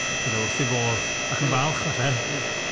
Bydd o wrth ei fodd, ac yn falch falle... bydd.